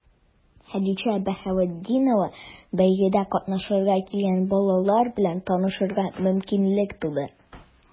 Хәдичә Баһаветдиновага бәйгедә катнашырга килгән балалар белән танышырга мөмкинлек туды.